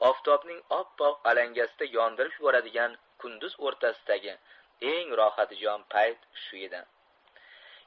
oftobning oppoq alangasida yondirib yuboradigan kunduz o'rtasidagi eng rohatijon payt shu edi